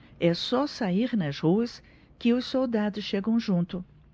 é só sair nas ruas que os soldados chegam junto